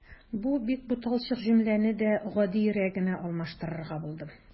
Бу бик буталчык җөмләне дә гадиерәгенә алмаштырырга булдым.